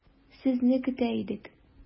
Сезне көтә идек.